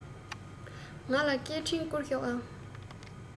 ང ལ སྐད འཕྲིན བསྐུར ཤོག ཨང